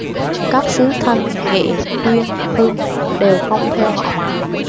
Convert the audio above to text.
các xứ thanh nghệ tuyên hưng đều không theo họ mạc